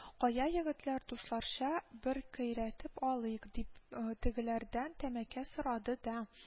— кая, егетләр, дусларча бер көйрәтеп алыйк, — дип,э тегеләрдән тәмәке сорады да